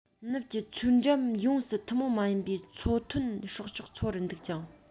ནུབ ཀྱི མཚོའི འགྲམ ཡོངས སུ ཐུན མོང མ ཡིན པའི མཚོ ཐོན སྲོག ཆགས འཚོ བར འདུག ཀྱང